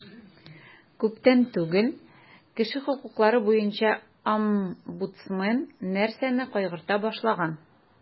Күптән түгел кеше хокуклары буенча омбудсмен нәрсәне кайгырта башлаган?